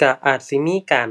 ก็อาจสิมีการ